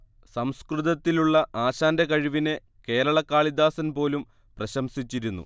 സംസ്കൃതത്തിലുള്ള ആശാന്റെ കഴിവിനെ കേരള കാളിദാസൻ പോലും പ്രശംസിച്ചിരുന്നു